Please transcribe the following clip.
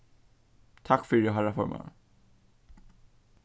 takk fyri harra formaður